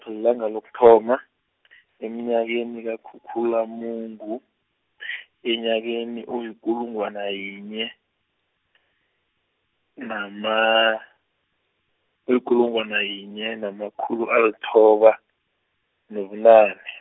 -langa lokuthoma eminyakeni kaKhukhulamungu , enyakeni oyikulungwana yinye, nama-, oyikulungwana yinye namakhulu alithoba, nobunane.